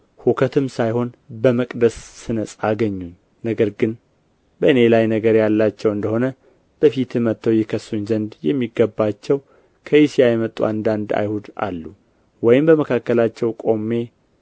ሁከትም ሳይሆን በመቅደስ ስነጻ አገኙኝ ነገር ግን በእኔ ላይ ነገር ያላቸው እንደ ሆነ በፊትህ መጥተው ይከሱኝ ዘንድ የሚገባቸው ከእስያ የመጡ አንዳንድ አይሁድ አሉ ወይም በመካከላቸው ቆሜ